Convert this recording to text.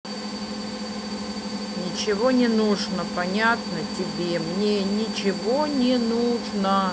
ничего не нужно понятно тебе мне ничего не нужно